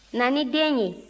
na ni den ye